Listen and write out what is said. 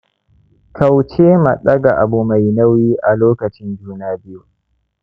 kaucema ɗaga abu mai nauyi a lokacin juna-biyu